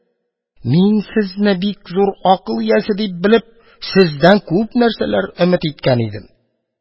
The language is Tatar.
Мин, сезне бик зур акыл иясе дип белеп, сездән күп нәрсәләр өмет иткән идем.